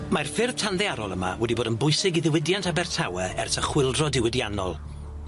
Mae'r ffyrdd tanddaearol yma wedi bod yn bwysig i ddiwydiant Abertawe ers y chwyldro diwydiannol.